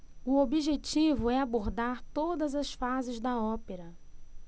o objetivo é abordar todas as fases da ópera